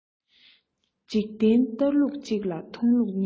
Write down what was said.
འཇིག རྟེན ལྟ ལུགས གཅིག ལ མཐོང ལུགས གཉིས